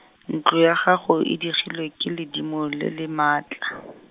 ntlo ya gago e digilwe ke ledimo le le matla.